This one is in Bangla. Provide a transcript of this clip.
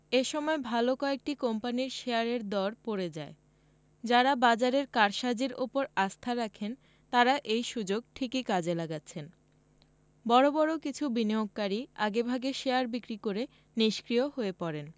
এ সময় ভালো কয়েকটি কোম্পানির শেয়ারের দর পড়ে যায় যাঁরা বাজারের কারসাজির ওপর আস্থা রাখেন তাঁরা এই সুযোগ ঠিকই কাজে লাগাচ্ছেন বড় বড় কিছু বিনিয়োগকারী আগেভাগে শেয়ার বিক্রি করে নিষ্ক্রিয় হয়ে পড়েন